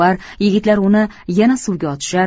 yigitlar uni yana suvga otishar